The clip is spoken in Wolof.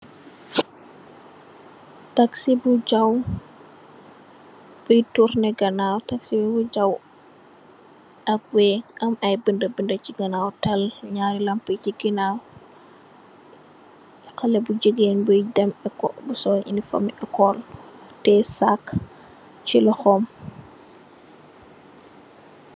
Taxi bu jaw, bui tourneh ganaw, taxi bi bu jaw ahb way am aiiy binda binda chi ganaw taal, njaari lampue yii chi ginaw, haleh bu gigain bui dem ecole, bu sol uniforme ecole, tiyeh sac chi lokhom.